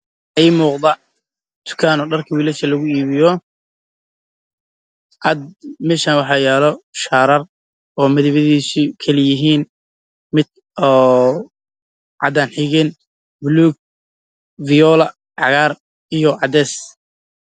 Waxaa ii muuqdo dukaan lagu iibiyo dharka raga